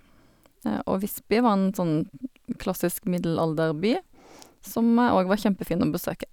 Og Visby var en sånn klassisk middelalderby som òg var kjempefin å besøke.